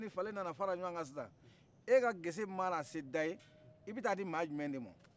ni gese ni fale mana fara ɲɔgɔnkan sisan e ka gese mana se da y' e bɛta di jɔn de ma